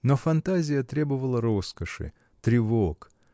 Но фантазия требовала роскоши, тревог.